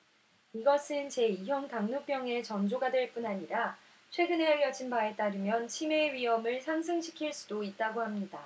이것은 제 이 형 당뇨병의 전조가 될 뿐 아니라 최근에 알려진 바에 따르면 치매의 위험을 상승시킬 수도 있다고 합니다